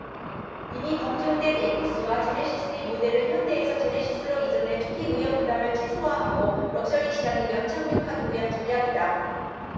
이미 검증된 에쿠스와 제네시스의 모델을 현대에서 제네시스로 이전해 초기 위험부담을 최소화하고 럭셔리 시장에 연착륙하기 위한 전략이다